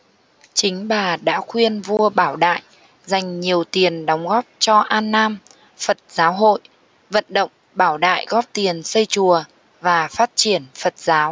chính bà đã khuyên vua bảo đại dành nhiều tiền đóng góp cho an nam phật giáo hội vận động bảo đại góp tiền xây chùa và phát triển phật giáo